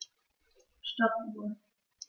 Stoppuhr.